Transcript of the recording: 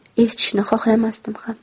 eshitishni xohlamasdim ham